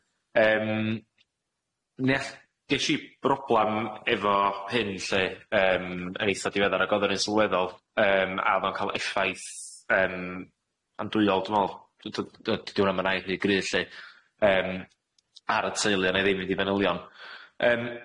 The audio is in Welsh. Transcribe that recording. Yym, yn neall-... Gesh i broblam efo hyn lly yym yn eitha diweddar, ag odd o'n un sylweddol yym, a o'dd o'n ca'l effaith yym andwyol dw me'wl, dw- dw- dw- dydi hwnna'm yn air rhy gryf lly, yym ar y teulu, a wna i ddim mynd i fanylion. Yym.